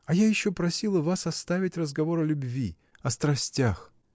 А я еще просила вас оставить разговор о любви, о страстях.